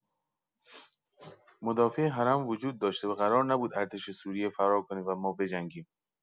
مدافع حرم وجود داشته و قرار نبود ارتش سوریه فرار کنه و ما بجنگیم